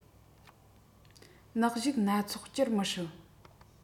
ནག གཞུག སྣ ཚོགས བསྐྱུར མི སྲིད